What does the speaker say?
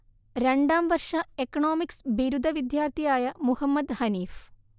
രണ്ടാംവർഷ economics ബിരുദ വിദ്യാർത്ഥിയായ മുഹമ്മദ്ഹനീഫ്